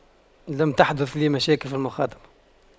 لم تحدث لي مشاكل في المخاطبة